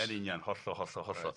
Yn union hollol hollol hollol.